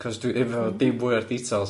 Cos dw i ddim hefo dim fwy o'r details.